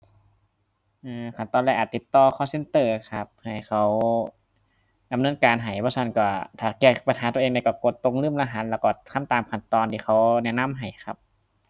อือ ขั้นตอนแรกอาจติดต่อ call center ครับ ให้เขาดำเนินการให้ บ่ซั้นก็ถ้าแก้ปัญหาตัวเองได้ก็กดตรงลืมรหัส แล้วก็ทำตามขั้นตอนที่เขาแนะนำให้ครับ